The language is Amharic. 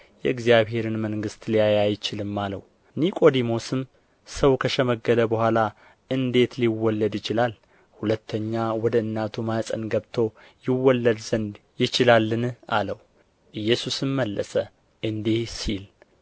የእግዚአብሔርን መንግሥት ሊያይ አይችልም አለው ኒቆዲሞስም ሰው ከሸመገለ በኋላ እንዴት ሊወለድ ይችላል ሁለተኛ ወደ እናቱ ማኅፀን ገብቶ ይወለድ ዘንድ ይችላልን አለው ኢየሱስም መለሰ እንዲህ ሲል